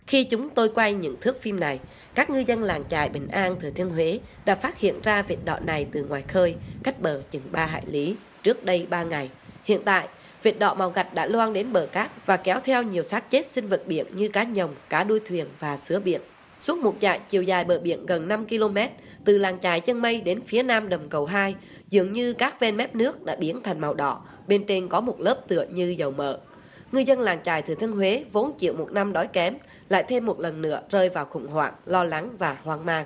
khi chúng tôi quay những thước phim này các ngư dân làng chài bình an thừa thiên huế đã phát hiện ra vệt đỏ này từ ngoài khơi cách bờ chừng ba hải lý trước đây ba ngày hiện tại vệt đỏ màu gạch đã loang đến bờ cát và kéo theo nhiều xác chết sinh vật biển như cá nhồng cá đua thuyền và sứa biển suốt một dải chiều dài bờ biển gần năm ki lô mét từ làng chài chân mây đến phía nam đầm cầu hai dường như các ven mép nước đã biến thành màu đỏ bên trên có một lớp tựa như dầu mỡ ngư dân làng chài thừa thiên huế vốn chịu một năm đói kém lại thêm một lần nữa rơi vào khủng hoảng lo lắng và hoang mang